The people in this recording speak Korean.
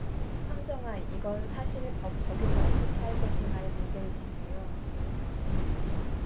황정화 이건 사실 법 적용을 어떻게 할 것인가의 문제일 텐데요